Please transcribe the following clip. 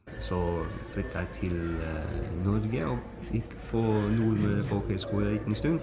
Så v flytta jeg til Norge og gikk på Nordmøre Folkehøgskole ei liten stund.